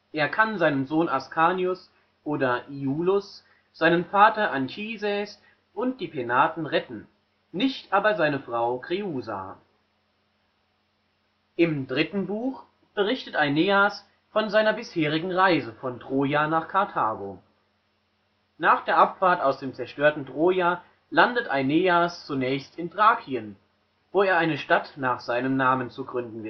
Er kann seinen Sohn Ascanius (Iulus), seinen Vater Anchises und die Penaten retten, nicht aber seine Frau Kreusa. Im 3. Buch berichtet Aeneas von seiner bisherigen Reise (von Troja nach Karthago): Nach der Abfahrt aus dem zerstörten Troja landet Aeneas zunächst in Thrakien, wo er eine Stadt nach seinem Namen zu gründen